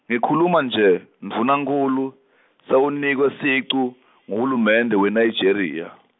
ngikhuluma nje, ndvunankhulu sewunikwe sicu , nguhulumende weNigeria.